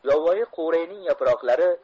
yovvoyi quvrayning yaproqlari